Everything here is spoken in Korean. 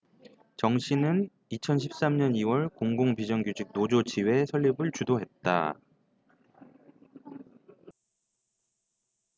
정씨는 이천 십 삼 년 이 월 공공비정규직 노조 지회 설립을 주도했다